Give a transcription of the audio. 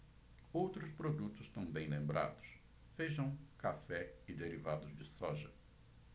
outros produtos também lembrados feijão café e derivados de soja